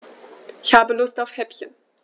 Ich habe Lust auf Häppchen.